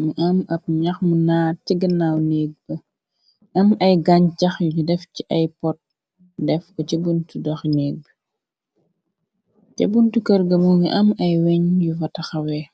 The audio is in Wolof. mu am ab nax mu naar ci ginnaaw negg b am ay gan cax yunu def ci ay pot def ko ci buntu dox néeg b ca buntu kërga mo ngi am ay weñ yu vataxawee